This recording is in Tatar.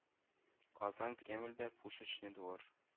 Казан Кремлендә Пушечный двор